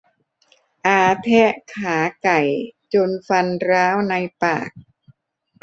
อาแทะขาไก่จนฟันร้าวในปาก